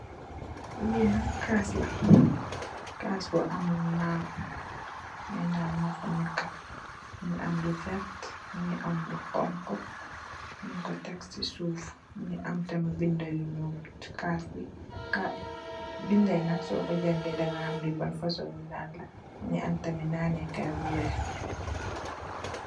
Li nak kass la, kass bu am naan, ay naan ñu fa nekka. Mugii am lu werta mugii am lu xonxu ñing ko tèk ci suuf mugii am tamit bindé yu ñuul ci kass bi. Bindé yi nak so ko jangèè da nga ham li ban fasung naan la, mugii am tamit naan né kay bu wèèx.